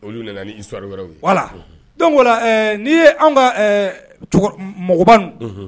Olu nana ni itu wɛrɛ wala don ko n'i ye ka mɔgɔban